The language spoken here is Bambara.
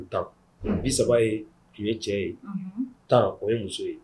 10, 30 ye tun ye cɛ ye, unhun, tan o ye muso ye.